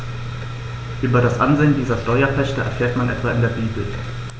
Über das Ansehen dieser Steuerpächter erfährt man etwa in der Bibel.